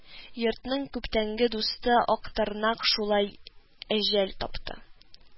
Йортның күптәнге дусты Актырнак шулай әҗәл тапты